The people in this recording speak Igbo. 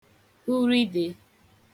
hurìde